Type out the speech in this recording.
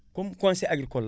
comme conseil agricol la